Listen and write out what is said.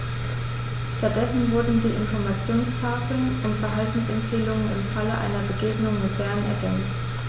Stattdessen wurden die Informationstafeln um Verhaltensempfehlungen im Falle einer Begegnung mit dem Bären ergänzt.